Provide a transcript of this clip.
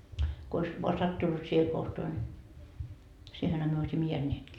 kun olisi vain sattunut siihen kohtaan niin siihenhän me olisimme jääneetkin